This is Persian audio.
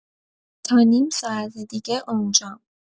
تا نیم ساعت دیگه اونجام